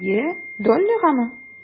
Әйе, Доллигамы?